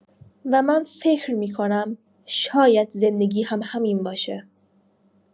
و من فکر می‌کنم شاید زندگی هم همین باشه؛